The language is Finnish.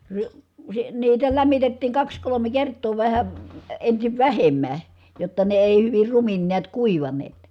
-- niitä lämmitettiin kaksi kolme kertaa vähän ensin vähemmän jotta ne ei hyvin rumin näet kuivanneet